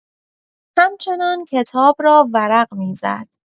همچنان کتاب را ورق می‌زد.